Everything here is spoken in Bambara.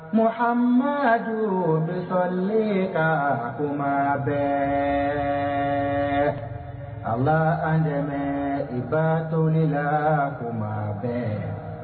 Nka ma duuru bɛ sɔlen kakoma bɛ a la an dɛmɛ i batɔ lakoma bɛɛ